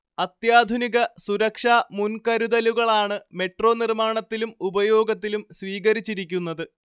അത്യാധുനിക സുരക്ഷാ മുൻകരുതലുകളാണ് മെട്രോ നിർമ്മാണത്തിലും ഉപയോഗത്തിലും സ്വീകരിച്ചിരിക്കുന്നത്